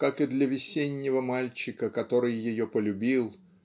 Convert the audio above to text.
как и для весеннего мальчика который ее полюбил